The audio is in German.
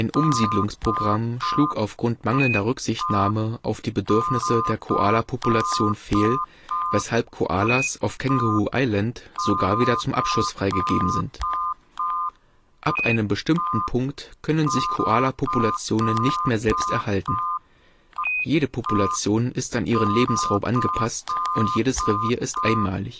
Umsiedlungsprogramm schlug auf Grund mangelnder Rücksichtnahme auf die Bedürfnisse der Koalapopulation fehl, weshalb Koalas auf Kangaroo Island sogar wieder zum Abschuss freigegeben sind. Ab einem bestimmten Punkt können sich Koalapopulationen nicht mehr selbst erhalten. Jede Population ist an ihren Lebensraum angepasst und jedes Revier ist einmalig